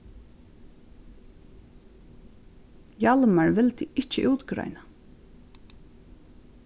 hjalmar vildi ikki útgreina